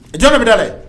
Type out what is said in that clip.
A jala bɛ da dɛ